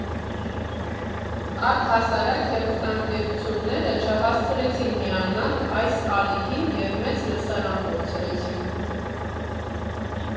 Առհասարակ, հեռուստաընկերությունները չհասցրեցին միանալ այս ալիքին և մեծ լսարան կորցրեցին։